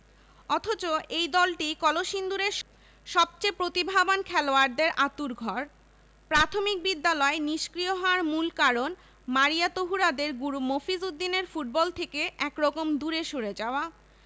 অথচ এই দলটিই কলসিন্দুরের সবচেয়ে প্রতিভাবান খেলোয়াড়দের আঁতুড়ঘর প্রাথমিক বিদ্যালয় নিষ্ক্রিয় হওয়ার মূল কারণ মারিয়া তহুরাদের গুরু মফিজ উদ্দিনের ফুটবল থেকে একরকম দূরে সরে যাওয়া